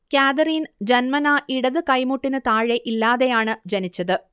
Catherine ജന്മനാ ഇടത് കൈമുട്ടിന് താഴെ ഇല്ലാതെയാണ് ജനിച്ചത്